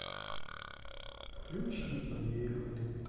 включи поехали